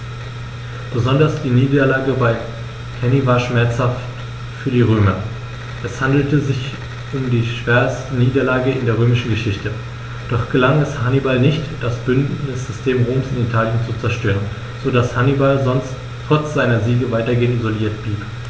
Besonders die Niederlage bei Cannae war schmerzhaft für die Römer: Es handelte sich um die schwerste Niederlage in der römischen Geschichte, doch gelang es Hannibal nicht, das Bündnissystem Roms in Italien zu zerstören, sodass Hannibal trotz seiner Siege weitgehend isoliert blieb.